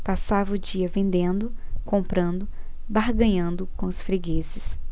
passava o dia vendendo comprando barganhando com os fregueses